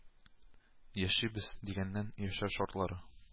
Яшибез, дигәннән, яшәү шартлары